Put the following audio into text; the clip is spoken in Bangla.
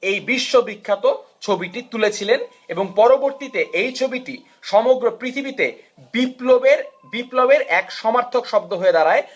এ বিশ্ব বিখ্যাত ছবিটি তুলেছিলেন এবং পরবর্তীতে এই ছবিটি সমগ্র পৃথিবীতে বিপ্লবের এক সমার্থক শব্দ হয়ে দাঁড়ায়